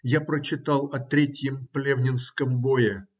Я прочитал о третьем плевненском бое.